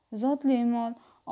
zotli mol